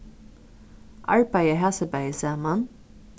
arbeiða hasi bæði saman